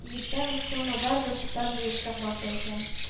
Иртәме-соңмы барыбер тоташ җыерчык баса икән